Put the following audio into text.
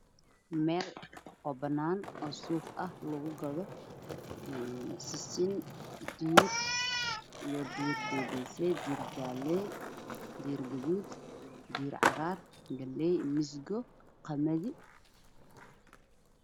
Meel banaan oo suuq ah sisin digir cadaan io digir cagaar galay masago qamadi